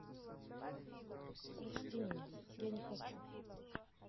прости меня я не хочу